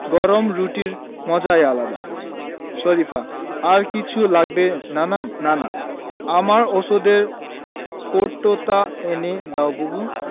গরম রুটির মজাই আলাদা শরিফা আর কিছু লাগবে নানা নানা আমার ঔষধের কৌটোটা এনে দাও বুবু